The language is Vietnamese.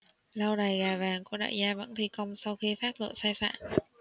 lâu đài gà vàng của đại gia vẫn thi công sau khi phát lộ sai phạm